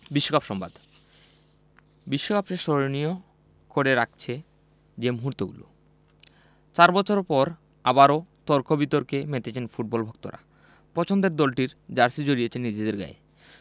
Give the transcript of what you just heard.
বিশ্বকাপ সংবাদ বিশ্বকাপকে স্মরণীয় করে রাখছে যে মুহূর্তগুলো চার বছর পর আবারও তর্ক বিতর্কে মেতেছেন ফুটবল ভক্তরা পছন্দের দলটির জার্সি জড়িয়েছেন নিজেদের গায়ে